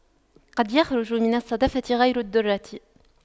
قد يخرج من الصدفة غير الدُّرَّة